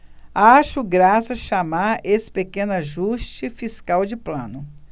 acho graça chamar esse pequeno ajuste fiscal de plano